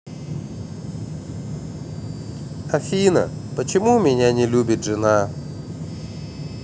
афина почему меня не любит жена